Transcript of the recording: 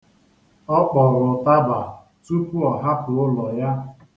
Ọ kpọrọ ụtaba tupu ọ hapụ ụlọ ya.